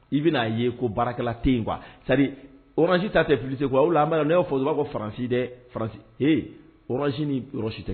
I bɛn'a ye ko baarakɛla tɛ yen quoi, c'est à dire, orange ta tɛ publicité ko ye o de la ne n y'o fɔ dɔrɔn u b'a fɔ ko Faransi dɛ Faransi he orange ni yɔrɔ si tɛ